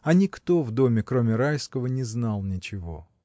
А никто в доме, кроме Райского, не знал ничего.